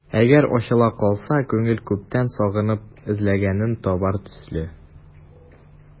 Әгәр ачыла калса, күңел күптән сагынып эзләгәнен табар төсле...